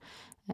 Ja.